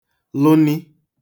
lụni